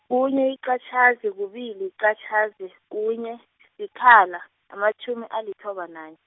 kunye, liqatjhazi, kubili, liqatjhazi, kunye, sikhala, amatjhumi alithoba nanye.